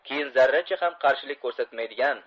keyin zarracha ham qarshilik ko'rsatmaydigan